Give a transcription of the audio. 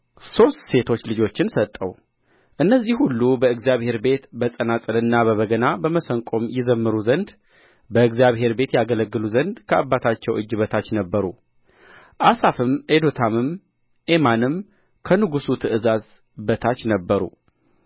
ሦስት ሴቶች ልጆችን ሰጠው እነዚህ ሁሉ በእግዚአብሔር ቤት በጸናጽልና በበገና በመሰንቆም ይዘምሩ ዘንድ በእግዚአብሔርም ቤት ያገለግሉ ዘንድ ከአባታቸው እጅ በታች ነበሩ አሳፍም ኤዶታምም ኤማንም ከንጉሡ ትእዛዝ በታች ነበሩ